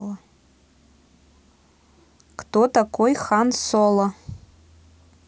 кто такой хан соло